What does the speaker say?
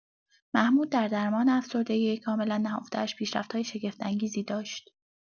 محمود در درمان افسردگی کاملا نهفته‌اش پیشرفت‌های شگفت‌انگیزی داشت.